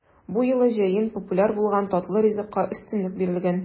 Бу юлы җәен популяр булган татлы ризыкка өстенлек бирелгән.